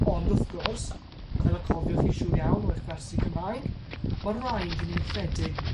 Ond wrth gwrs fel y cofiwch chi siwr iawn o eich gwersi Cymraeg ma'n raid i ni rhedeg